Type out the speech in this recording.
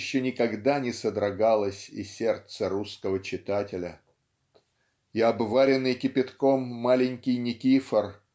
еще никогда не содрогалось и сердце русского читателя. И обваренный кипятком маленький Никифор